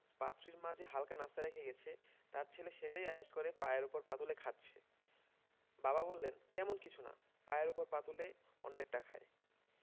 পাত্রীর মা যে হালকা নাশতা রেখে গেছে তার ছেলে সেটাই আয়েশ করে পায়ের ওপর পা তুলে খাচ্ছে বাবা বললেন তেমন কিছু না পায়ের ওপর পা তুলে অন্যেরটা খায়